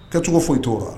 Kɛcogo foyi tɔɔrɔ